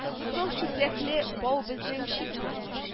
Кызыл чүпрәкле бау безнең чик бу